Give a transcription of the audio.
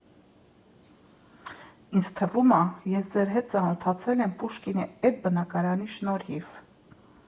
Ինձ թվում ա՝ ես ձեր հետ ծանոթացել եմ Պուշկինի էդ բնակարանի շնորհիվ։